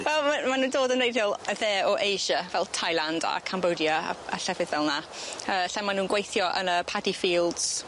Wel ma' ma' nw'n dod yn reidiol y dde o Asia, fel Thailand a Cambodia a a llefydd fel 'na yy lle ma' nw'n gweithio yn y paddy fields.